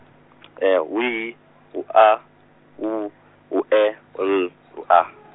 we, u- A, u- u- E, u- L, u- A.